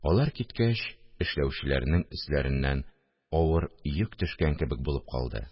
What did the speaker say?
Алар киткәч, эшләүчеләрнең өсләреннән авыр йөк төшкән кебек булып калды